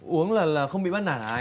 uống là là không bị bắt nạt hả anh